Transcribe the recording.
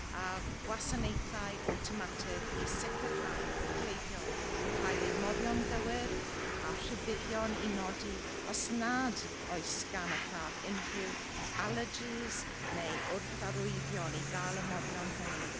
A gwasanaethau awtomatydd i sicrhau bod gleifion yn cael eu moddion gywir a rhybuddion i nodi os nad oes gan y claf unrhyw allergies neu wrtharwyddion i gael y moddion hynny.